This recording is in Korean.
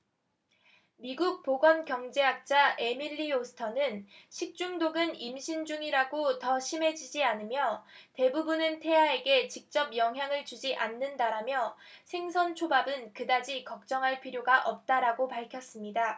미국 보건경제학자 에밀리 오스터는 식중독은 임신 중이라고 더 심해지지 않으며 대부분은 태아에게 직접 영향을 주지 않는다라며 생선초밥은 그다지 걱정할 필요가 없다라고 밝혔습니다